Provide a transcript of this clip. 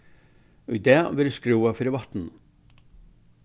í dag verður skrúvað fyri vatninum